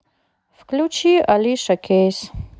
включи алиша кейс